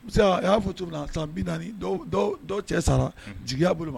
Parce y'a fɔ cogo min na san bi naani dɔ cɛ sara jigiya bolo ma